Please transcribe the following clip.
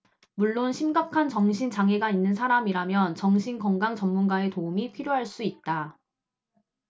물론 심각한 정신 장애가 있는 사람이라면 정신 건강 전문가의 도움이 필요할 수 있다